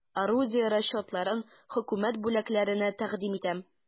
Орудие расчетларын хөкүмәт бүләкләренә тәкъдим итәм.